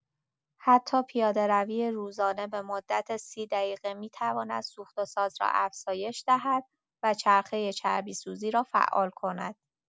حتی پیاده‌روی روزانه به مدت سی دقیقه می‌تواند سوخت‌وساز را افزایش دهد و چرخه چربی‌سوزی را فعال کند.